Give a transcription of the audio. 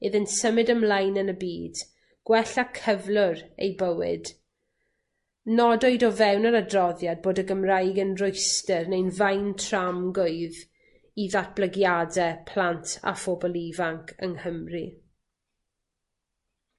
iddynt symud ymlaen yn y byd gwella cyflwr ei bywyd. Nodwyd o fewn yr adroddiad bod y Gymraeg yn rwystyr neu'n faen tramgwydd i ddatblygiade plant a phobol ifanc yng Nghymru.